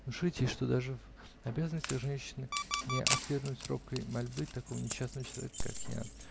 внушить ей, что даже в обязанностях женщины не отвергнуть робкой мольбы такого несчастного человека, как я.